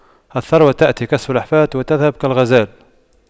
الثروة تأتي كالسلحفاة وتذهب كالغزال